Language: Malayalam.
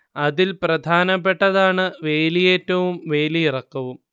അതിൽ പ്രധാനപ്പെട്ടതാണ് വേലിയേറ്റവും വേലിയിറക്കവും